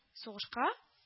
Сугышка